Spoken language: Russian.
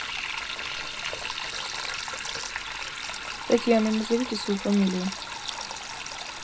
татьяна назовите свою фамилию